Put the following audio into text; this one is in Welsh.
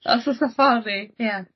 os o's 'na ffor i ie.